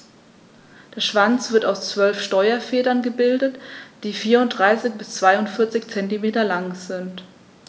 Der Schwanz wird aus 12 Steuerfedern gebildet, die 34 bis 42 cm lang sind.